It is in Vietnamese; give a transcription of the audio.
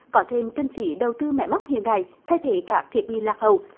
có thêm kinh phí đầu tư máy móc hiện đại thay thế các thiết bị lạc hậu